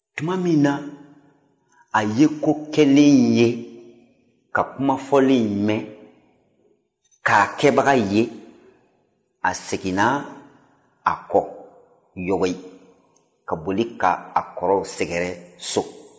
tuma min na a ye kokɛlen in ye ka kumafɔlen in mɛn k'a kɛbaga ye a seginna a kɔ yɔkɔyi ka boli k'a kɔrɔw sɛgɛrɛ so